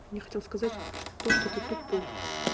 я хотел сказать то что ты тупой